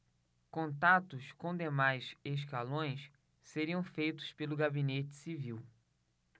contatos com demais escalões seriam feitos pelo gabinete civil